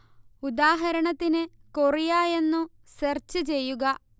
ഉദാഹരണത്തിന് കൊറിയ എന്നു സെർച്ച് ചെയ്യുക